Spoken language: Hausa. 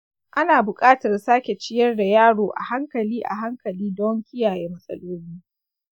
ana buƙatar sake ciyar da yaro a hankali a hankali don kiyaye matsaloli.